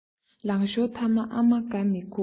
ལང ཤོར ཐ མ ཨ མ དགའ མི ཁུག